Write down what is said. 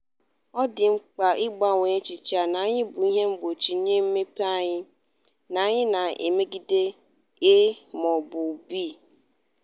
Ọ dị mkpa ịgbanwe echiche a na anyị bụ ihe mgbochi nye mmepe anyị, na anyị na-emegide A mọọbụ B.